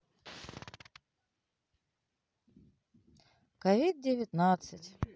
ковид девятнадцать